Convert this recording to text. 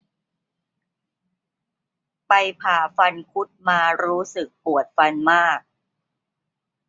ไปผ่าฟันคุดมารู้ปวดฟันมาก